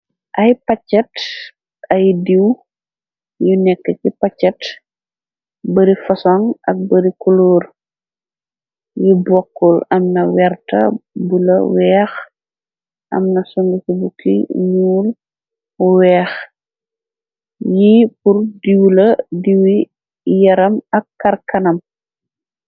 Ay paket ay diw yu nekk ci paket bari fasong ak bari kuloor yi bokkul am na werta bu la weex am na songi ci bu ki nuul weex yi pur diw la diwi yaram ak karkanam.